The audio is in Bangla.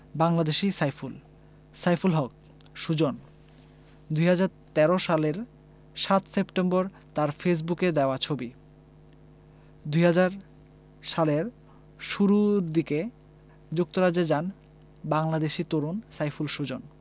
বাংলাদেশি সাইফুল সাইফুল হক সুজন ২০১৩ সালের ৭ সেপ্টেম্বর তাঁর ফেসবুকে দেওয়া ছবি ২০০০ সালের শুরু দিকে যুক্তরাজ্যে যান বাংলাদেশি তরুণ সাইফুল সুজন